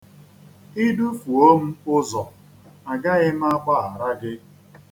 I dufuo m ụzọ, agaghị m agbaghara gị.